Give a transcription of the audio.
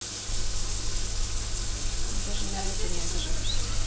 даже на это не обижаешься